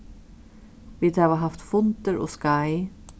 vit hava havt fundir og skeið